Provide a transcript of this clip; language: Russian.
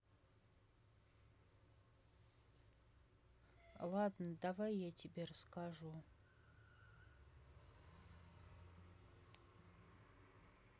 ладно давай я тебе расскажу